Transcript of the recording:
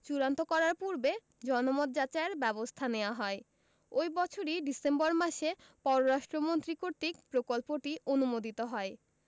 চূড়ান্ত করার পূর্বে জনমত যাচাইয়ের ব্যবস্থা নেওয়া হয় ঐ বৎসরই ডিসেম্বর মাসে পররাষ্ট্র মন্ত্রী কর্তৃক প্রকল্পটি অনুমোদিত হয়